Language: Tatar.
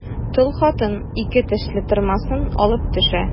Тол хатын ике тешле тырмасын алып төшә.